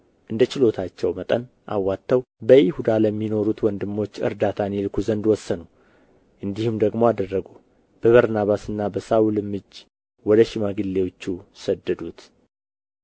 እንደ ችሎታቸው መጠን አዋጥተው በይሁዳ ለሚኖሩት ወንድሞች እርዳታን ይልኩ ዘንድ ወሰኑ እንዲህም ደግሞ አደረጉ በበርናባስና በሳውልም እጅ ወደ ሽማግሌዎቹ ሰደዱት